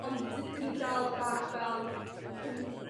ond 'd- 'dyn ni dal bach fel w-